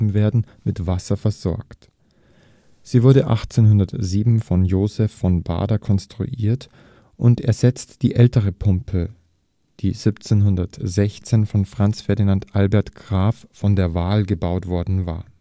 werden, mit Wasser versorgt. Sie wurden 1807 von Joseph von Baader konstruiert und ersetzten eine ältere Pumpe, die 1716 von Franz Ferdinand Albert Graf von der Wahl gebaut worden war